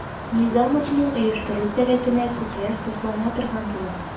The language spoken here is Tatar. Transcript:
Низамовның оештыру сәләтенә күпләр соклана торган була.